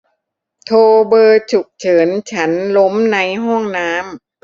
โทรเบอร์ฉุกเฉินฉันล้มในห้องน้ำ